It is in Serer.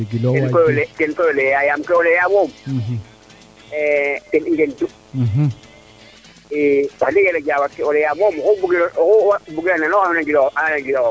ten koy o leya yaam ke o leya moom ten i ngen tu i wax deg yala Diawa ke o leya oxu oxu bugeer na nan giluwong